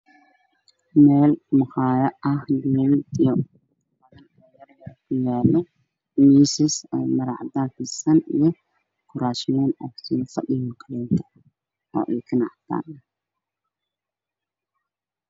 Meel maqaaxid ah waxaa yaalo kuraas iyo miisas